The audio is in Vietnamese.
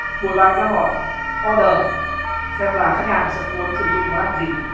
bồi bàn ra hỏi o đờ xem là khách hàng sẽ muốn sử dụng món ăn gì